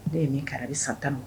Ne ye min kara bɛ san tan don